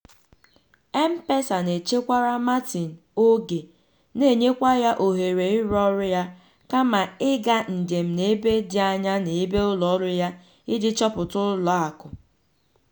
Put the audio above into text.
M-PESA na-echekwara Martin oge, na-enyekwa ya ohere ịrụ ọrụ ya kama ịga njem n'ebe dị anya n'ebe ụlọọrụ ya iji chọta ụlọakụ.